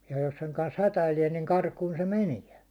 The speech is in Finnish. ja jos sen kanssa hätäilee niin karkuun se menee